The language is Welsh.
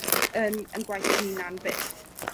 yn 'yn gwaith 'yn 'unan 'fyd.